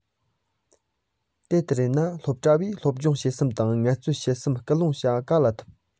དེ ལྟར ཡིན ན སློབ གྲྭ བའི སློབ སྦྱོང བྱེད སེམས དང ངལ རྩོལ བྱེད སེམས སྐུལ སློང བྱེད ག ལ ཐུབ